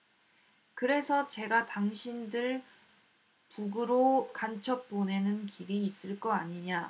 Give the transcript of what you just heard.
그래서 제가 당신들 북으로 간첩 보내는 길이 있을 거 아니냐